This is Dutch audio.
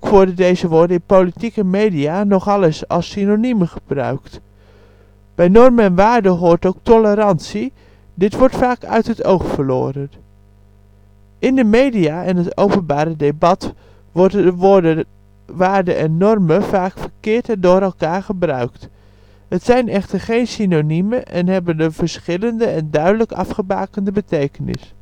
worden deze woorden in politiek en media nogal eens als synoniemen gebruikt. Bij normen en waarden hoort ook tolerantie, dit wordt vaak uit het oog verloren. In de media en het openbare debat worden de woorden waarden en normen vaak verkeerd en door elkaar gebruikt. Het zijn echter geen synoniemen en hebben een verschillende en duidelijk afgebakende betekenis